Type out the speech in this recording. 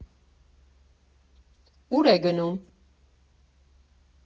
Ու՞ր է գնում։